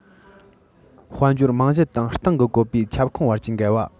དཔལ འབྱོར རྨང གཞི དང སྟེང གི བཀོད པའི ཁྱབ ཁོངས བར གྱི འགལ བ